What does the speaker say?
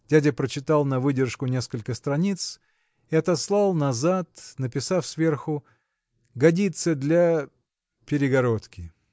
Дядя прочитал на выдержку несколько страниц и отослал назад написав сверху Годится для. перегородки!